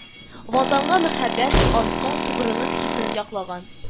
Ватанга мәхәббәт, антка тугрылык хисен яклаган